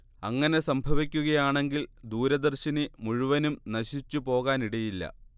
അങ്ങനെ സംഭവിക്കുകയാണെങ്കിൽ ദൂരദർശിനി മുഴുവനും നശിച്ചുപോകാനിടയില്ല